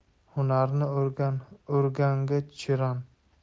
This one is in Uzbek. hunarni o'rgan o'rganda chiran